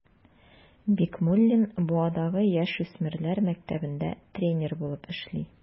Бикмуллин Буадагы яшүсмерләр мәктәбендә тренер булып эшли.